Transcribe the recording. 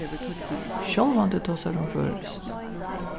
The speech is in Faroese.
sjálvandi tosar hon føroyskt